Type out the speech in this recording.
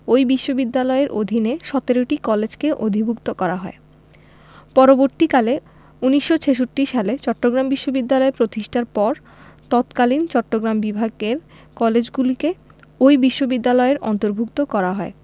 ওই বিশ্ববিদ্যালয়ের অধীনে ১৭টি কলেজকে অধিভুক্ত করা হয় পরবর্তীকালে ১৯৬৬ সালে চট্টগ্রাম বিশ্ববিদ্যালয় প্রতিষ্ঠার পর তৎকালীন চট্টগ্রাম বিভাগের কলেজগুলিকে ওই বিশ্ববিদ্যালয়ের অন্তর্ভুক্ত করা হয়